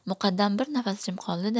muqaddam bir nafas jim qoldi da